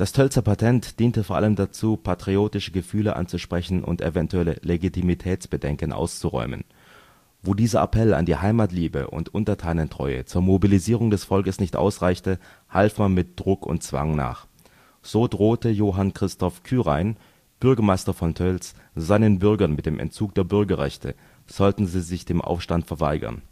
Tölzer Patent diente vor allem dazu, patriotische Gefühle anzusprechen und eventuelle Legitimitätsbedenken auszuräumen. Wo dieser Appell an die Heimatliebe und Untertanentreue zur Mobilisierung des Volkes nicht ausreichte, half man mit Druck und Zwang nach. So drohte Johann Christoph Kyrein, Bürgermeister von Tölz, seinen Bürgern mit dem Entzug der Bürgerrechte, sollten sie sich dem Aufstand verweigern